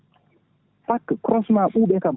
*